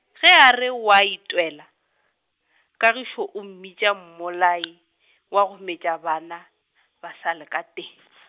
ge a re oa itwela, Kagišo o mmitša mmolai wa go metša bana ba sa le ka te- .